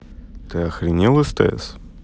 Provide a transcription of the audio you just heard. ты охренел стс